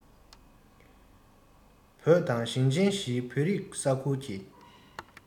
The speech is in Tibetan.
བོད དང ཞིང ཆེན བཞིའི བོད རིགས ས ཁུལ གྱི